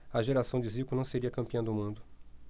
a geração de zico não seria campeã do mundo